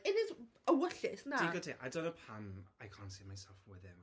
in his ewyllys, na... Digon teg, a dyna pam I can't see myself with him.